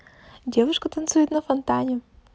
девушка танцует на фонтане